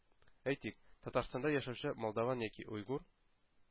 Әйтик, Татарстанда яшәүче молдаван яки уйгур,